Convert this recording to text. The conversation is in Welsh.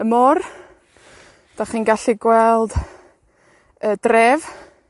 y môr, 'dach chi'n gallu gweld y dref.